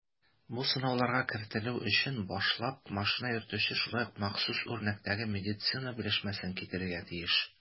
Бу сынауларга кертелү өчен башлап машина йөртүче шулай ук махсус үрнәктәге медицинасы белешмәсен китерергә тиеш.